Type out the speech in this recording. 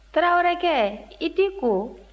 tarawelekɛ i t'i ko